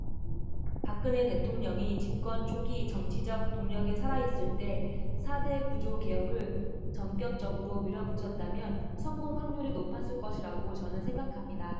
박근혜 대통령이 집권 초기 정치적 동력이 살아 있을 때 사 대 구조 개혁을 전격적으로 밀어붙였다면 성공 확률이 높았을 것이라고 저는 생각합니다